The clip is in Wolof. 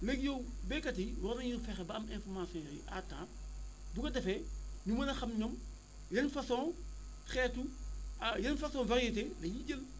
léegi yow béykat yi war nañuy fexe ba am informations yooyu à temps bu ko defee ñu mën a xam ñoom yan façon xeetu ah yan façon variété la ñuy jël